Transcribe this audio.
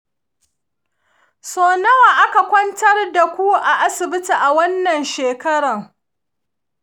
sau nawa aka kwantar da ku asibiti a wannan shekarar?